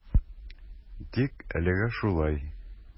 Тик әлегә шулай.